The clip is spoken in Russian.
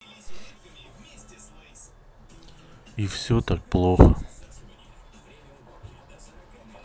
и все так плохо